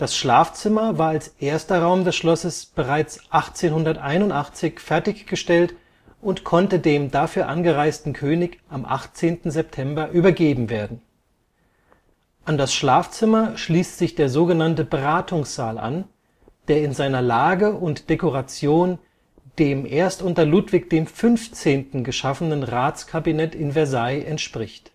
Schlafzimmer war als erster Raum des Schlosses bereits 1881 fertiggestellt und konnte dem dafür angereisten König am 18. September übergeben werden. An das Schlafzimmer schließt sich der sogenannte Beratungssaal an, der in seiner Lage und Dekoration dem erst unter Ludwig XV. geschaffenen Ratskabinett in Versailles entspricht